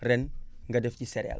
ren nga def si céréale